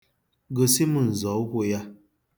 Gosi m nzọụkwụ ya.